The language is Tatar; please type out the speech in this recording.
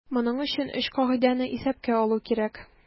Моның өчен өч кагыйдәне исәпкә алу кирәк.